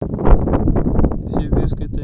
в сибирской тайге